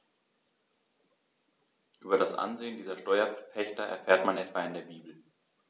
Über das Ansehen dieser Steuerpächter erfährt man etwa in der Bibel.